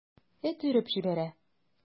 Эт өреп җибәрә.